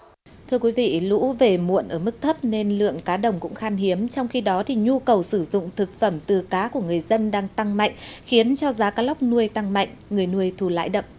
thưa quý vị lũ về muộn ở mức thấp nên lượng cá đồng cũng khan hiếm trong khi đó thì nhu cầu sử dụng thực phẩm từ cá của người dân đang tăng mạnh khiến cho giá cá lóc nuôi tăng mạnh người nuôi thu lãi đậm